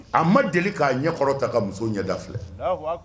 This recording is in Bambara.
A ma deli k'a ɲɛkɔrɔ ta ka muso ɲɛda filɛ